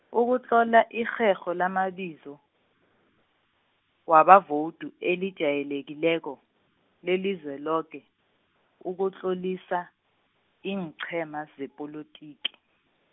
ukutlola irherho lamabizo, wabavowudi elijayelekileko, lelizweloke, ukutlolisa, iinqhema zepolotiki.